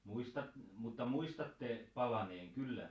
- mutta muistatte palaneen kyllä